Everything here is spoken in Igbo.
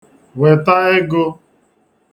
wèta egō